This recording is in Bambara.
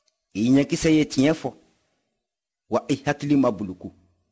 i ɲɛkisɛ ye tiɲɛ fɔ wa i hakili ma buluku